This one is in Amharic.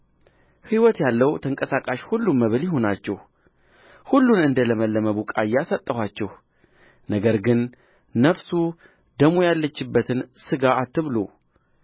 ሕይወት ያለው ተንቀሳቃሽ ሁሉ መብል ይሁናችሁ ሁሉን እንደ ለመለመ ቡቃያ ሰጠኋችሁ ነገር ግን ነፍሱ ደሙ ያለችበትን ሥጋ አትብሉ